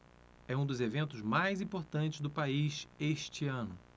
é um dos eventos mais importantes do país este ano